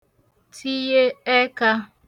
tiye ẹkā